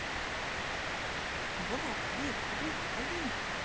булат бель бюль оглы